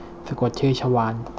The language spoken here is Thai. สะกดชื่อชวาล